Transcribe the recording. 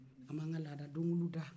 an b'an ka lada donkiliw da